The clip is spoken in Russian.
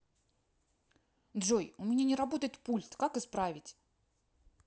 джой у меня не работает пульт как исправить